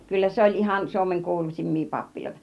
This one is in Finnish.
kyllä se oli ihan Suomen kuuluisimpia pappiloita